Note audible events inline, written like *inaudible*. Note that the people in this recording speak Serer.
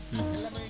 *hesitation* *hesitation*